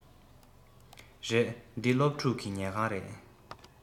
རེད འདི སློབ ཕྲུག གི ཉལ ཁང རེད